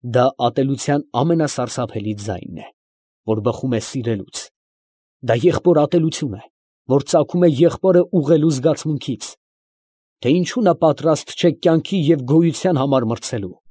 Դա ատելության ամենասարսափելի ձայնն է, որ բխում է սիրելուց, դա եղբոր ատելություն է, որ ծագում է եղբորը ուղղելու զգացմունքից, թե ինչո՞ւ նա պատրաստ չէ կյանքի և գոյության համար մրցելու։